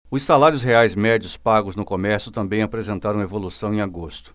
os salários reais médios pagos no comércio também apresentaram evolução em agosto